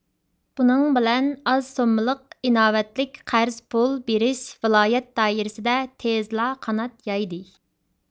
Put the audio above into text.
بۇنىڭ بىلەن ئاز سوممىلىق ئىناۋەتلىك قەرز پۇل بېرىش ۋىلايەت دائىرىسىدە تېزلا قانات يايدى